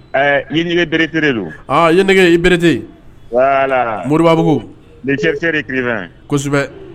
Ɛɛ Yeneke Berete don, ɔ yeneke , i Berete voila Moribabugu, chercheurs écrivain